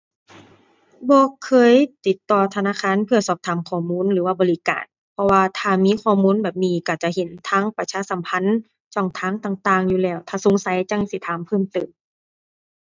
บ่เคยติดต่อธนาคารเพื่อสอบถามข้อมูลหรือว่าบริการ เพราะว่าถ้ามีข้อมูลแบบนี้ก็จะเห็นทางประชาสัมพันธ์ช่องทางต่างต่างอยู่แล้ว ถ้าสงสัยจั่งสิถามเพิ่มเติม